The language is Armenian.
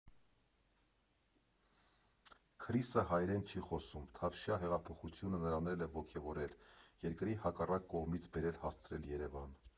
Քրիսը հայերեն չի խոսում, թավշյա հեղափոխությունը նրան էլ է ոգևորել, երկրի հակառակ կողմից բերել հասցրել Երևան։